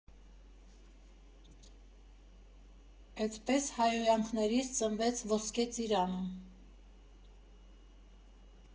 Էդպես հայհոյանքներից ծնվեց Ոսկե ծիրանը։